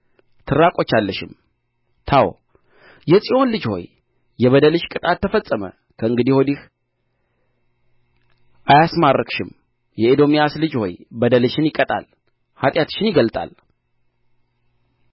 ትራቈቻለሽም ታው የጽዮን ልጅ ሆይ የበደልሽ ቅጣት ተፈጸመ ከእንግዲህ ወዲህ አያስማርክሽም የኤዶምያስ ልጅ ሆይ በደልሽን ይቀጣል ኃጢአትሽን ይገልጣል